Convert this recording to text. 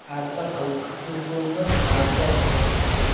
arpa qiltiqsiz bo'lmas navkar miltiqsiz